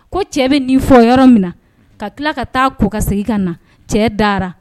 Ko cɛ bɛ nin fɔ yɔrɔ min na ka tila ka taa ko ka segin ka na cɛ dara